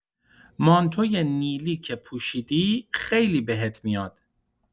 مانتوی نیلی که پوشیدی خیلی بهت می‌آد.